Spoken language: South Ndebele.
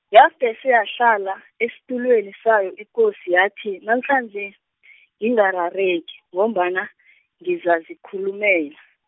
yafese yahlala, esitulweni sayo ikosi yathi namhlanje , ngingarareki, ngombana, ngizazikhulumela.